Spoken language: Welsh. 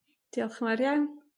Diolch yn fawr iawn.